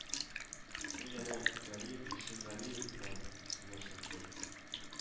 Ул янә Галиев Кишергалиев белән киңәш тотты: